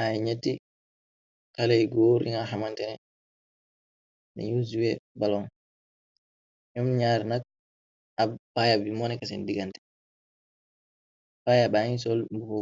Aye nyate xaley yu góor yega xamantene neu zuer balon ñoom ñaar nag ab paayab bi mooneka seen digante payabàge sol mbubu